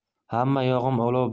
hamma yog'im olov